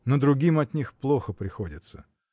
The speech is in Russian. но другим от них плохо приходится.